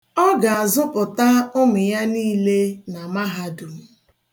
Ọ ga-azụpụta ụmụ ya niile na Mahadum.